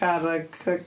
Car a cy-...